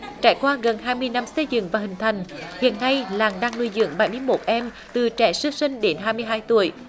trải qua gần hai mươi năm xây dựng và hình thành hiện nay làng đang nuôi dưỡng bảy mươi mốt em từ trẻ sơ sinh đến hai mươi hai tuổi